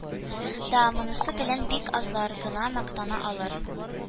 Да, монысы белән бик азлар гына мактана алыр